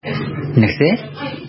Нәрсә?!